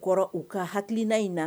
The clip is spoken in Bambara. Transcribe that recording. Kɔrɔ, u ka hakilina in na